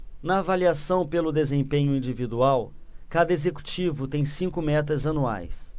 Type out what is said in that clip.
na avaliação pelo desempenho individual cada executivo tem cinco metas anuais